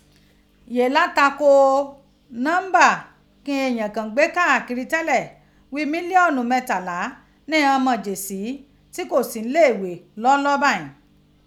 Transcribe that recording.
Yee la tako nọmba ki ighan eeyan kan n gbe kaakiri tẹlẹ ghi miliọnu mẹtala nighan mojeṣin ti ko si ni ileeghe lọlọ baghin.